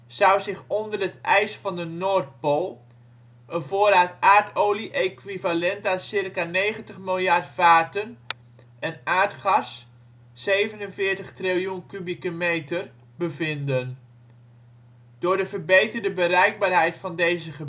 zou zich onder het ijs van de Noordpool een voorraad aardolie equivalent aan circa 90 miljard vaten en aardgas (47 triljoen kubieke meter) bevinden. Door de verbeterde bereikbaarheid van deze